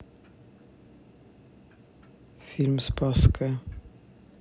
фильм спасская